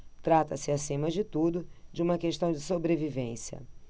trata-se acima de tudo de uma questão de sobrevivência